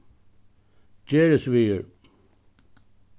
gerðisvegur